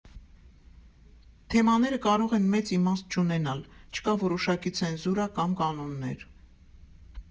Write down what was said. Թեմաները կարող են մեծ իմաստ չունենալ, չկա որոշակի ցենզուրա կամ կանոններ։